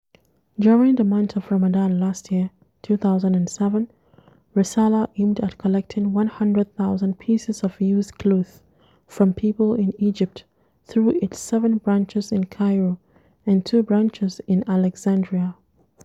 During the month of Ramadan last year (2007), Resala aimed at collecting 100 thousand pieces of used clothes from people in Egypt through its 7 branches in Cairo and 2 branches in Alexandria.